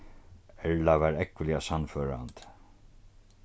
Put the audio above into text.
erla var ógvuliga sannførandi